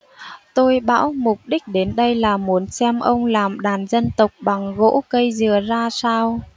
tôi bảo mục đích đến đây là muốn xem ông làm đàn dân tộc bằng gỗ cây dừa ra sao